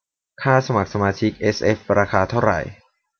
ค่าสมัครสมาชิกเอสเอฟราคาเท่าไหร่